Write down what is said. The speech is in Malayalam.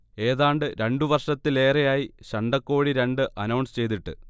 ഏതാണ്ട് രണ്ടു വർഷത്തിലേറെയായി ശണ്ഠക്കോഴി രണ്ട് അനൗൺസ് ചെയ്തിട്ട്